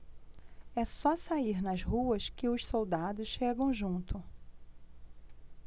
é só sair nas ruas que os soldados chegam junto